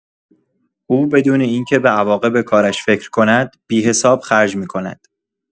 او بدون اینکه به عواقب کارش فکر کند، بی‌حساب خرج می‌کند.